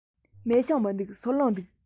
མེ ཤིང མི འདུག སོལ རླངས འདུག